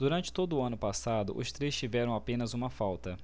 durante todo o ano passado os três tiveram apenas uma falta